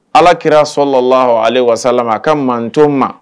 Alaki sɔrɔla la la ale walasasala ka mato ma